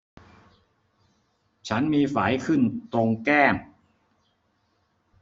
ฉันมีไฝขึ้นตรงแก้ม